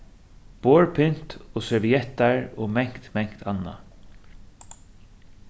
borðpynt og serviettar og mangt mangt annað